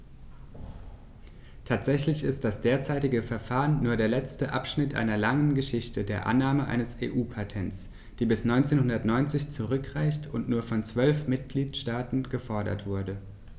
Tatsächlich ist das derzeitige Verfahren nur der letzte Abschnitt einer langen Geschichte der Annahme eines EU-Patents, die bis 1990 zurückreicht und nur von zwölf Mitgliedstaaten gefordert wurde.